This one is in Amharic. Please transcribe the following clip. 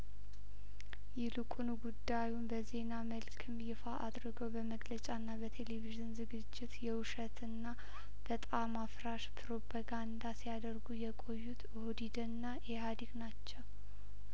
ይልቁኑም ጉዳዩን በዜና መልክም ይፋ አድርገው በመግለጫና በቴሌቪዥን ዝግጅት የውሸትና በጣም አፍራሽ ፕሮ ፐጋንዳ ሲያደርጉ የቆዩት ኦህዲ ድና ኢህአዴግ ናቸው